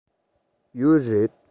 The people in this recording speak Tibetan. ཡོད རེད